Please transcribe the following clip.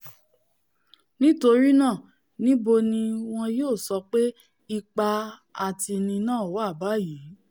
Nítorínáâ níbo ni wọn yóò sọ pé ipá-atini náà wà báyìí?